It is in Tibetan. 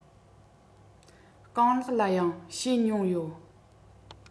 རྐང ལག ལ ཡང བྱེད མྱོང ཡོད